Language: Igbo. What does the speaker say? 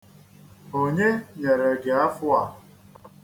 Onye nyere gị afụ a?